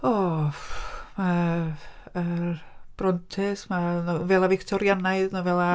O mae yr Brontes, mae yna nofelau Fictorianaidd, nofelau,